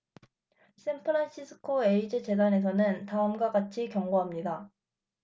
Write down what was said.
샌프란시스코 에이즈 재단에서는 다음과 같이 경고합니다